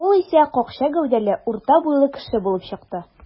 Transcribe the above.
Ул исә какча гәүдәле, урта буйлы кеше булып чыкты.